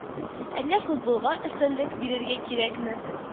Әллә футболга өстенлек бирергә кирәкме